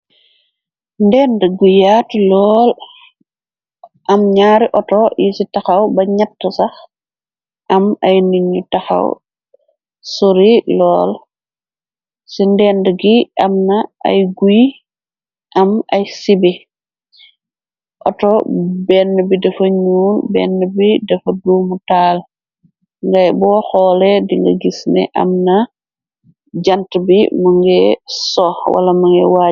Ndend gu yaate lool am ñaari outo yi ci taxaw ba ñatt sax. Am ay niñu taxaw sori lool. Ci ndend gi am na ay guy am ay sibi otto benn bi dafa ñuo benn bi dafa duumu taal. Ngay bo xoole di nga gis ne am na jànt bi mu ngee so wala mënga wàae.